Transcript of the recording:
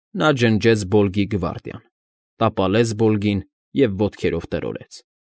Նա ջնջեց Բոլգի գվարդիան, տապալեց Բոլգին և ոտքերով տրորտեց։